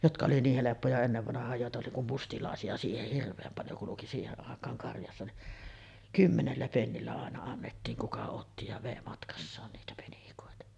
jotka oli niin helppoja ennen vanhaan joita oli kun mustalaisia siihen hirveän paljon kulki siihen aikaan karjassa niin kymmenellä pennillä aina annettiin kuka otti ja vei matkassaan niitä penikoita